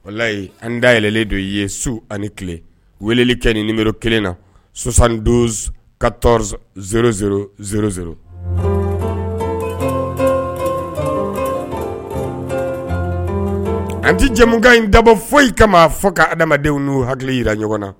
Walayi an da yɛlɛlen dɔ ye su ani tile wele kɛ nib kelen na sonsan ka tɔwz an tɛ jɛmukan ɲi dabɔ foyi i kama fɔ ka adamadamadenw n'u hakili yira ɲɔgɔn na